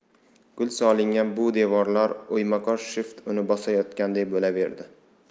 gul solingan bu devorlar o'ymakor shift uni bosayotganday bo'laverdi